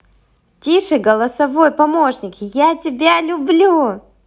тише голосовой помощник я тебя люблю